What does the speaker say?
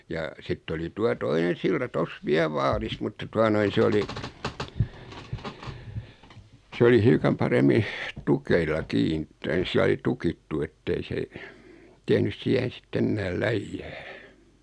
ja sitten oli tuota toinen silta tuossa vielä vaarissa mutta tuota noin se oli se oli hiukan paremmin tukeilla kiinni tai sillä lailla tukittu että ei se tehnyt siihen sitten enää läjää